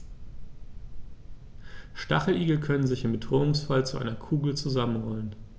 Stacheligel können sich im Bedrohungsfall zu einer Kugel zusammenrollen.